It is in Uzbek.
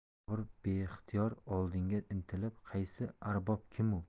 bobur beixtiyor oldinga intilib qaysi arbob kim u